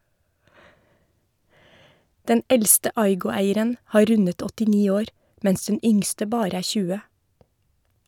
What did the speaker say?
Den eldste Aygo-eieren har rundet åttini år, mens den yngste bare er tjue.